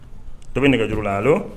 To bɛ nɛgɛj juruulala a don